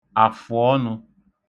àfụ̀ọnụ̄